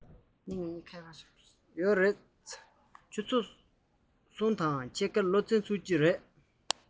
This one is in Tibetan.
ཡོད རེད ཆུ ཚོད གསུམ དང ཕྱེད ཀར སློབ ཚན ཚུགས ཀྱི རེད